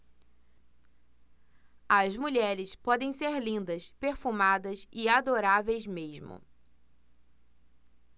as mulheres podem ser lindas perfumadas e adoráveis mesmo